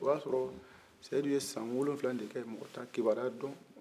o y'a sɔrɔ seyidu ye san wolonwula de kɛ mɔgɔ t'a kibaruya dɔn